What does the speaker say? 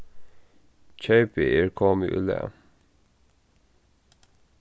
keypið er komið í lag